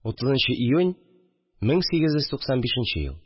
30 нчы июнь 1895 ел